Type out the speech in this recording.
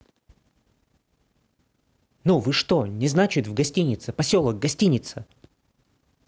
ну вы что не значит в гостинице поселок гостиница